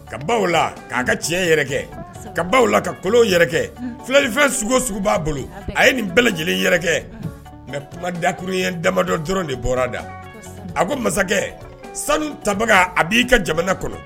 Ka baw la'a ka tiɲɛ yɛrɛ ka baw la ka kolon yɛrɛ filɛin fɛn sugu sugu b'a bolo a ye nin bɛɛ lajɛlen yɛrɛ mɛ kuma dak ye damadɔ dɔrɔn de bɔra da a ko masakɛ sanu tabaga a b'i ka jamana kɔnɔ